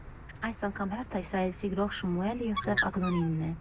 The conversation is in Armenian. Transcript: Այս անգամ հերթը իսրայելցի գրող Շմուել Յոսեֆ Ագնոնինն է։